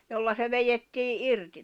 jolla se vedettiin irti